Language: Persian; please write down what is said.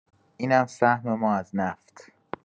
اینم سهم ما از نفت!